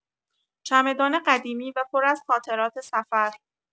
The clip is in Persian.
چمدان قدیمی و پر از خاطرات سفر